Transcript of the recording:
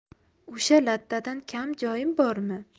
o'sha lattadan kam joyim bormi